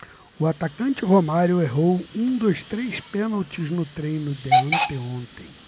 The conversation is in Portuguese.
o atacante romário errou um dos três pênaltis no treino de anteontem